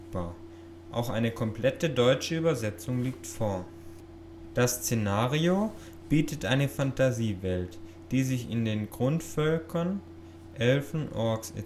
auch eine komplette deutsche Übersetzung liegt vor. Das Szenario bietet eine Fantasiewelt, die sich in den Grundvölkern (Elfen, Orks